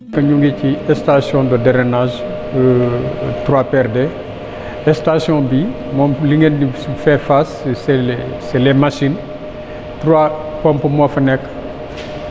ñu ngi ci station drainage bu 3PRD station bi moom li ngeen di faire face c' est les c' est les machines trois pompes moo fi nekk